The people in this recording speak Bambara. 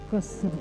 Ka segin